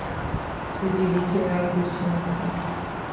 удивительная гусеница